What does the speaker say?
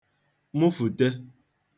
mụfute